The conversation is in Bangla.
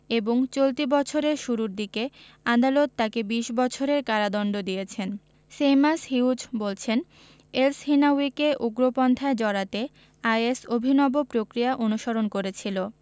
এবং চলতি বছরের শুরুর দিকে আদালত তাকে ২০ বছরের কারাদণ্ড দিয়েছেন সেইমাস হিউজ বলছেন এলসহিনাউয়িকে উগ্রপন্থায় জড়াতে আইএস অভিনব প্রক্রিয়া অনুসরণ করেছিল